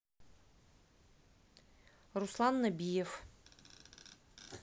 руслан набиев